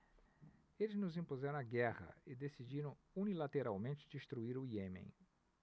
eles nos impuseram a guerra e decidiram unilateralmente destruir o iêmen